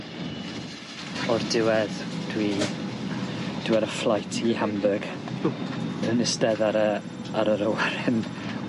O'r diwedd dwi dwi ar y flight i Hamburg yn istedd ar y ar yr awyren